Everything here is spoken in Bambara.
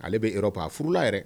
Ale bɛ yɔrɔ pan a furula yɛrɛ